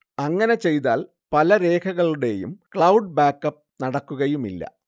അങ്ങനെ ചെയ്താൽ പല രേഖകളുടെയും ക്ലൗഡ് ബാക്ക്അപ്പ് നടക്കുകയുമില്ല